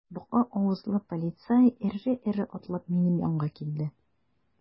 Бака авызлы полицай эре-эре атлап минем янга килде.